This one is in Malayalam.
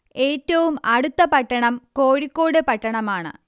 ഏറ്റവും അടുത്ത പട്ടണം കോഴിക്കോട് പട്ടണമാണ്